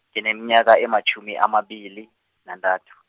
ngineminyaka ematjhumi amabili, nantathu.